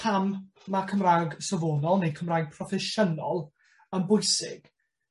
pam ma' Cymra'g safonol neu Cymraeg proffesiynol yn bwysig.